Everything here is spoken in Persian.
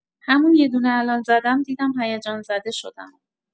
همون یدونه الان زدم دیدم هیجان‌زده شدم